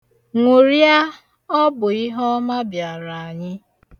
Ṅụrịa! ọ bụ ihe ọma bịara anyị.